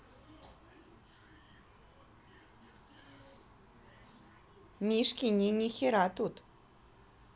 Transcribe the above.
мишки не нихера тут